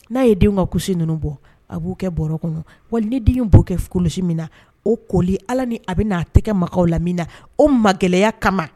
N'a ye den ka kulusi ninnu bɔ a b'o kɛ bɔ kɔnɔ ni den b'o kɛ kulusi min na o ko ala ni a bɛ a tɛgɛ kɛ ma la min na o ma gɛlɛyaya kama